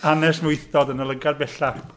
Anesmwythdod yn y lygad bella.